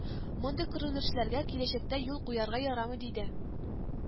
Мондый күренешләргә киләчәктә юл куярга ярамый, диде